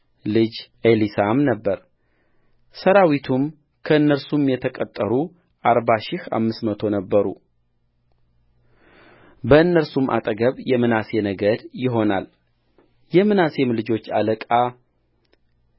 ልጅ ኤሊሳማ ነበረሠራዊቱም ከእነርሱም የተቈጠሩ አርባ ሺህ አምስት መቶ ነበሩበእነርሱም አጠገብ የምናሴ ነገድ ይሆናል የምናሴም ልጆች አለቃ